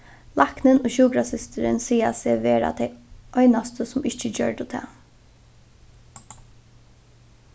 læknin og sjúkrasystirin siga seg vera tey einastu sum ikki gjørdu tað